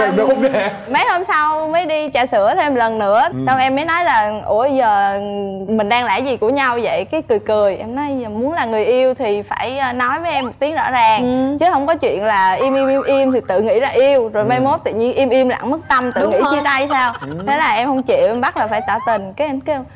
thế là mấy hôm sau mới đi trà sữa thêm lần nữa đâu em mới nói là ủa giờ mình mình đang làm gì của nhau vậy cái cười cười muốn là người yêu thì phải nói với em một tiếng rõ ràng chứ không có chuyện là im im im im tự nghĩ là yêu rồi mai mốt tự nhiên im im lặng mất tăm tự nghĩ chia tay sao thế là em không chịu em bắt phải tỏ tình cái em trêu